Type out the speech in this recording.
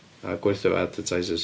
A gwerthu fo advertisers.